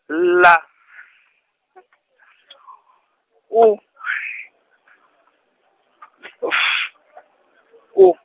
ḽa , U, F , U.